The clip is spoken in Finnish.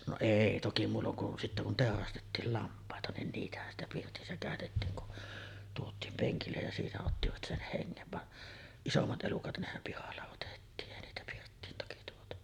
no ei toki muulloin kuin sitten kun teurastettiin lampaita niin niitähän sitä pirtissä käytettiin kun tuotiin penkille ja siinä ottivat sen hengen vaan isommat elukat nehän pihalla otettiin ei niitä pirttiin toki tuotu